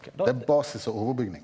det er basis og overbygning.